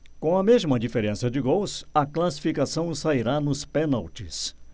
com a mesma diferença de gols a classificação sairá nos pênaltis